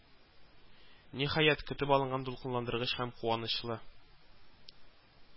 Ниһаять, көтеп алган дулкынландыргыч һәм куанычлы